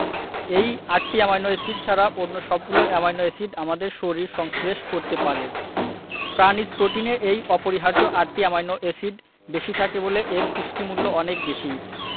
এই আটটি amino acid ছাড়া অন্য সবগুলো অ্যামাইনো এসিড আমাদের শরীর সংশ্লেষ করতে পারে প্রাণিজ প্রোটিনে এই অপরিহার্য আটটি অ্যামাইনো এসিড বেশি থাকে বলে এর পুষ্টিমূল্য অনেক বেশি